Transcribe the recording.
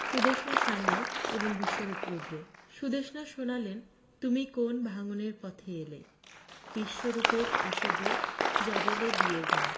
সুদেষণা সান্যাল এবং বিশ্বরূপ রুদ্র সুদেষণা শোনালেন তুমি কোন ভাঙনের পথে এলে বিশ্বরূপের এসো গো জবেলে দিয়ে যাও